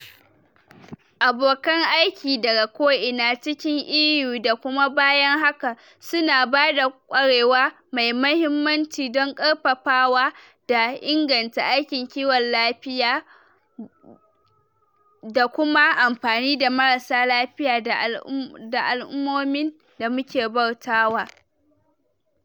Abokan aiki daga ko'ina cikin EU, da kuma bayan haka, su na ba da kwarewa mai mahimmanci don ƙarfafawa da inganta aikin kiwon lafiya, da kuma amfani da marasa lafiya da al'ummomin da muke bautawa.